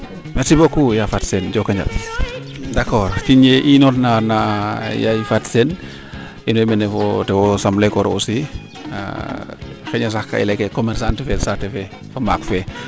merci beaucoup Ya Fatou Sene njoko njal d' accord i inoor na Yaye Fatou Sene in way mene fo o tewo samle koor aussi xayna sax ka i leyka yee commercante fe saate fe fa maak fee